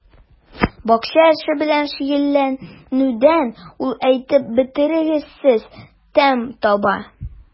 Бакча эше белән шөгыльләнүдән ул әйтеп бетергесез тәм таба.